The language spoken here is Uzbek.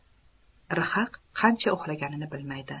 rhaq qancha uxlaganini bilmaydi